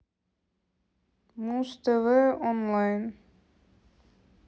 муз тв онлайн